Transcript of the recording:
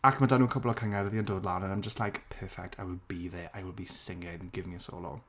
Ac ma' 'da nhw cwpl o cyngerddi’n dod lan and I’m just like, perfect, I will be there I will be singing, give me a solo.